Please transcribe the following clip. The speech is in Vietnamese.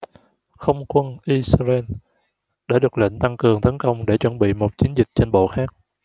không quân israel đã được lệnh tăng cường tấn công để chuẩn bị một chiến dịch trên bộ khác